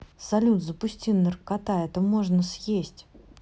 салют запусти наркота это можно съесть